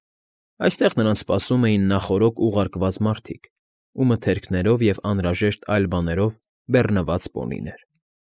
Այստեղ նրանց սպասում էին նախօրոք ուղարկված մարդիկ ու մթերքներով և անհրաժեշտ այլ բաներով բեռնված պոնիներ։